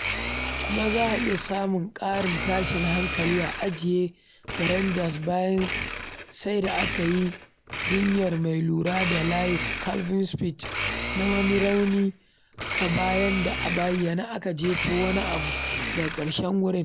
Kuma za a iya samun ƙarin tashin hankali a ajiye ga Rangers bayan da sai da aka yi jinyar mai lura da layi Calum Spence na wani raunin ka bayan da a bayyane aka jefo wani abu daga ƙarshen wurin.